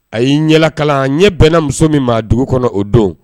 A y'i ɲɛ la kalan a ɲɛ bɛna muso min ma dugu kɔnɔ o don